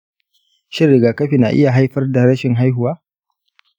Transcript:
shin rigakafi na iya haifar da rashin haihuwa?